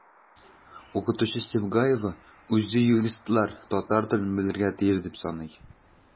Укытучы Сибгаева үзе юристлар татар телен белергә тиеш дип саный.